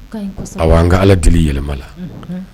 Aw an ka ala deli yɛlɛma la